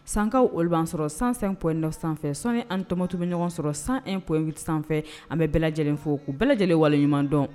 Sankaw olu b'an olu b'a sɔrɔ 101 9 sanfɛ san ani tɔmɔkutu bɛ ɲɔgɔn sɔrɔ 101.8 anfɛ an bɛ bɛɛ lajɛlen fo k' u bɛɛ lajɛlen waleɲuman dɔn